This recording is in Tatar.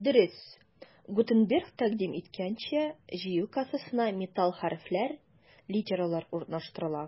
Дөрес, Гутенберг тәкъдим иткәнчә, җыю кассасына металл хәрефләр — литералар урнаштырыла.